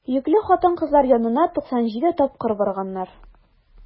Йөкле хатын-кызлар янына 97 тапкыр барганнар.